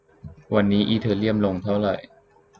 วันนี้อีเธอเรียมลงเท่าไหร่